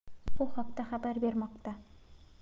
bu haqda xabar bermoqda